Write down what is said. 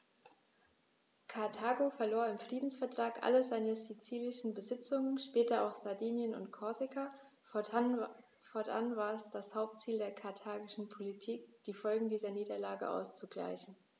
Karthago verlor im Friedensvertrag alle seine sizilischen Besitzungen (später auch Sardinien und Korsika); fortan war es das Hauptziel der karthagischen Politik, die Folgen dieser Niederlage auszugleichen.